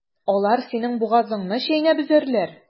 Алар синең бугазыңны чәйнәп өзәрләр.